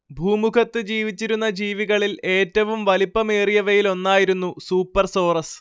ഭൂമുഖത്ത് ജീവിച്ചിരുന്ന ജീവികളിൽ ഏറ്റവും വലിപ്പമേറിയവയിലൊന്നായിരുന്നു സൂപ്പർസോറസ്